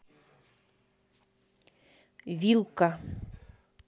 вилка